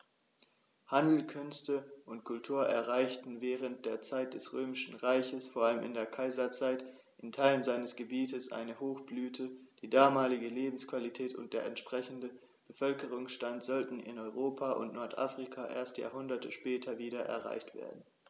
Handel, Künste und Kultur erreichten während der Zeit des Römischen Reiches, vor allem in der Kaiserzeit, in Teilen seines Gebietes eine Hochblüte, die damalige Lebensqualität und der entsprechende Bevölkerungsstand sollten in Europa und Nordafrika erst Jahrhunderte später wieder erreicht werden.